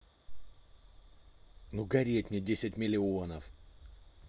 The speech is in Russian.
ну гореть мне десять миллионов